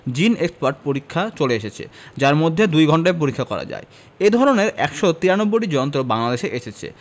জিন এক্সপার্ট পরীক্ষা চলে এসেছে যার মাধ্যমে দুই ঘণ্টায় পরীক্ষা করা যায় এ ধরনের ১৯৩টি যন্ত্র বাংলাদেশে এসেছে